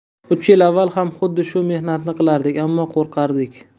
uch yil avval ham xuddi shu mehnatni qilardik ammo qo'rqardik